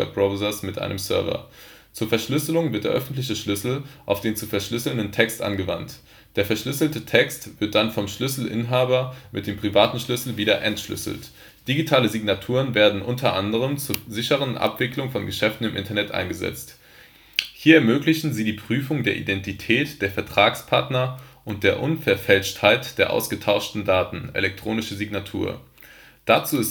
Web-Browsers mit einem Server. Zur Verschlüsselung wird der öffentliche Schlüssel auf den zu verschlüsselnden Text angewandt. Der verschlüsselte Text wird dann vom Schlüsselinhaber mit dem privaten Schlüssel wieder entschlüsselt. Digitale Signaturen werden u. a. zur sicheren Abwicklung von Geschäften im Internet eingesetzt. Hier ermöglichen sie die Prüfung der Identität der Vertragspartner und der Unverfälschtheit der ausgetauschten Daten (Elektronische Signatur). Dazu